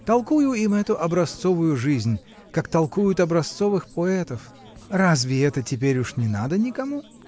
Толкую им эту образцовую жизнь, как толкуют образцовых поэтов: разве это теперь уж не надо никому?